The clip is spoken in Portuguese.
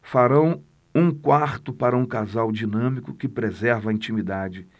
farão um quarto para um casal dinâmico que preserva a intimidade